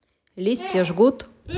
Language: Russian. листья жгут